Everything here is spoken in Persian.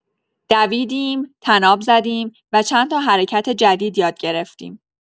دویدیم، طناب زدیم و چند تا حرکت جدید یاد گرفتیم.